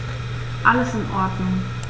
Alles in Ordnung.